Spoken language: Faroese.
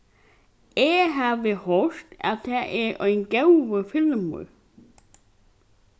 eg havi hoyrt at tað er ein góður filmur